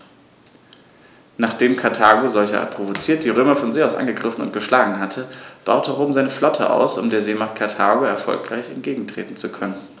Nachdem Karthago, solcherart provoziert, die Römer von See aus angegriffen und geschlagen hatte, baute Rom seine Flotte aus, um der Seemacht Karthago erfolgreich entgegentreten zu können.